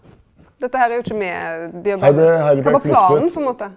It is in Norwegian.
dette her er jo ikkje med , kva var planen på ein måte?